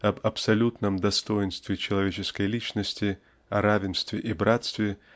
об абсолютном достоинстве человеческой личности о равенстве и братстве